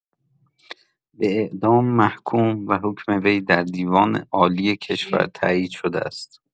به اعدام محکوم و حکم وی در دیوان عالی کشور تایید شده است.